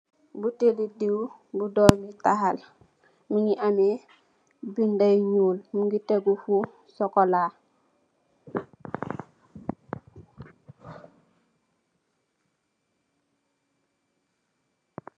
Buteli diw bu domitahal, mingi amme binde yu nyuul, mingi tegu fu sokola,